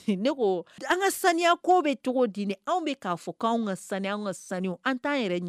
Ne an ka sanuya ko bɛ cogo di anw k' fɔ' ka sanu an ka sanu an' yɛrɛ